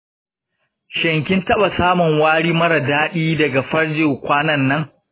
shin kin taɓa samun wari mara daɗi daga farji kwanan nan?